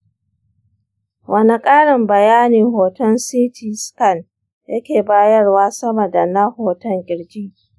wane ƙarin bayani hoton ct scan yake bayarwa sama da na hoton ƙirj